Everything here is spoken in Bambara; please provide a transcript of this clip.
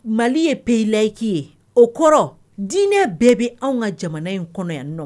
Mali ye pays laïc ye o kɔrɔ diinɛ bɛɛ bi anw ka jamana in kɔnɔ yan nɔ.